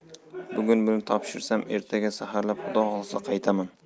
bugun buni topshirsam ertaga saharlab xudo xohlasa qaytaman